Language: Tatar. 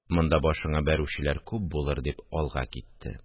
Монда башыңа бәрүчеләр күп булыр, – дип алга китте